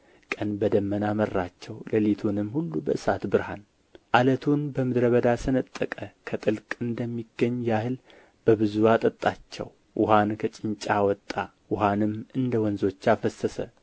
ቀን በደመና መራቸው ሌሊቱንም ሁሉ በእሳት ብርሃን ዓለቱን በምድረ በዳ ሰነጠቀ ከጥልቅ እንደሚገኝ ያህል በብዙ አጠጣቸው ውኃን ከጭንጫ አወጣ ውኃንም እንደ ወንዞች አፈሰሰ